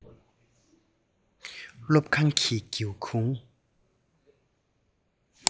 སློབ ཁང གི སྒེའུ ཁུང